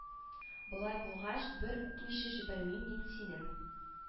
Болай булгач бер үпмичә җибәрмим мин сине